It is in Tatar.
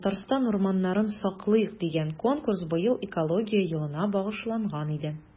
“татарстан урманнарын саклыйк!” дигән конкурс быел экология елына багышланган иде.